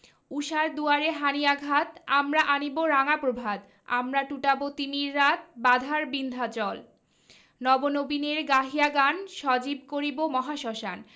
ঊষার দুয়ারে হানি আঘাত আমরা আনিব রাঙা প্রভাত আমরা টুটাব তিমির রাত বাধার বিন্ধ্যাচল নব নবীনের গাহিয়া গান সজীব করিব মহাশ্মশান